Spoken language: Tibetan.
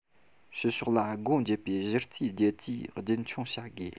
ཕྱི ཕྱོགས ལ སྒོ འབྱེད པའི གཞི རྩའི རྒྱལ ཇུས རྒྱུན འཁྱོངས བྱ དགོས